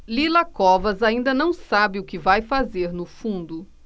lila covas ainda não sabe o que vai fazer no fundo